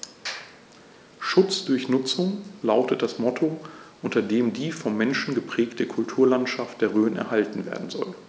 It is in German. „Schutz durch Nutzung“ lautet das Motto, unter dem die vom Menschen geprägte Kulturlandschaft der Rhön erhalten werden soll.